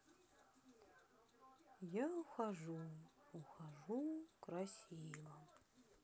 я ухожу ухожу красиво